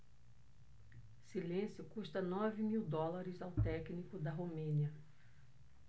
silêncio custa nove mil dólares ao técnico da romênia